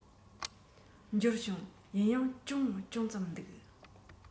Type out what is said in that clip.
འབྱོར བྱུང ཡིན ཡང སྐྱོན ཅུང ཙམ འདུག